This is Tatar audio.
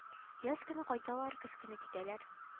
Яз көне кайталар көз көне китәләр